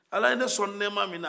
ala ye ne sɔn nɛɛman min na